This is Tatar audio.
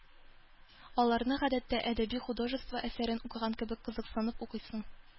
Аларны, гадәттә, әдәби-художество әсәрен укыган кебек кызыксынып укыйсың.